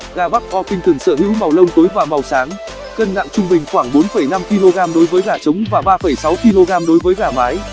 gà buff orpington sở hữu màu lông tối và màu sáng cân nặng trung bình khoảng kg đối với gà trống và kg đối với gà mái